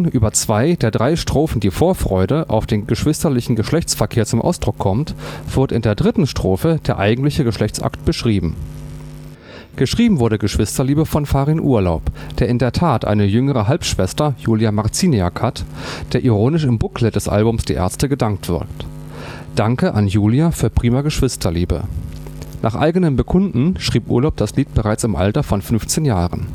über zwei der drei Strophen die Vorfreude auf den geschwisterlichen Geschlechtsverkehr zum Ausdruck kommt, wird in der dritten Strophe der eigentliche Geschlechtsakt beschrieben. Geschrieben wurde „ Geschwisterliebe “von Farin Urlaub, der in der Tat eine jüngere Halbschwester (Julia Marciniak) hat, der ironisch im Booklet des Albums „ Die Ärzte “gedankt wird („ Danke an Julia für prima Geschwisterliebe “). Nach eigenem Bekunden schrieb Urlaub das Lied bereits im Alter von 15 Jahren